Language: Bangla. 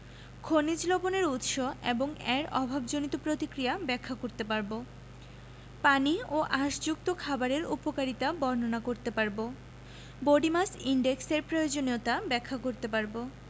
খনিজ লবণের উৎস এবং এর অভাবজনিত প্রতিক্রিয়া ব্যাখ্যা করতে পারব পানি ও আশযুক্ত খাবারের উপকারিতা বর্ণনা করতে পারব বডি মাস ইনডেক্স এর প্রয়োজনীয়তা ব্যাখ্যা করতে পারব